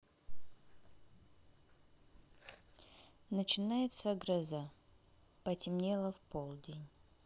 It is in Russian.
несмешная